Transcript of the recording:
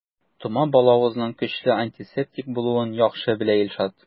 Тома балавызның көчле антисептик булуын яхшы белә Илшат.